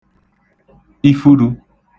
ifurū